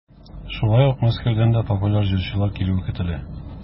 Шулай ук Мәскәүдән дә популяр җырчылар килүе көтелә.